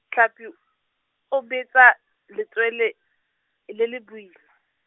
Tlhapi , o betsa, letswele, le le boima.